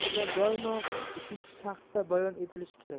fikrlar doimo uchinchi shaxsda bayon etilishi kerak